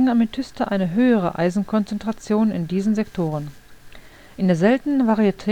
Amethyste eine höhere Eisenkonzentration in diesen Sektoren. In der seltenen Varietät